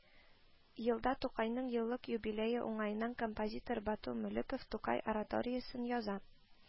Елда тукайның еллык юбилее уңаеннан композитор бату мөлеков «тукай» ораториясен яза